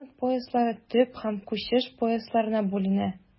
Климат пояслары төп һәм күчеш поясларына бүленә.